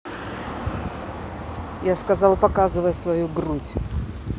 я сказал показывай свою грудь